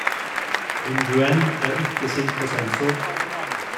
Nguyen er ikke sint på sensor.